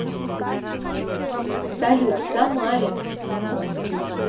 салют в самаре